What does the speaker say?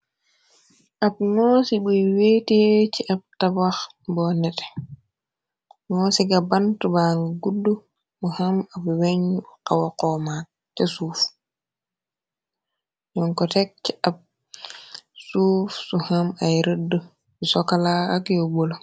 ab moosi buy weetee ci ab tabax bo nete mo ci ga bantu bang gudd mu ham ab weñu xawa xoma ca suuf ñon ko tekke ab suuf su hëm ay rëdd bu sokala ak yo bulo.